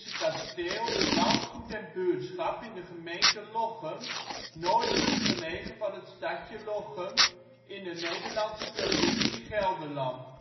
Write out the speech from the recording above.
kasteel, landgoed en buurtschap in de gemeente Lochem, noordelijk gelegen van het stadje Lochem, in de Nederlandse provincie Gelderland